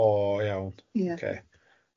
O, iawn. Ie. Ok.